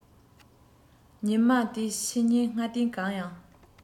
ཉི མ དེའི ཕྱི ཉིན སྔ ལྟས གང ཡང